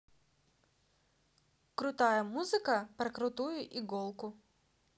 крутая музыка про крутую иголку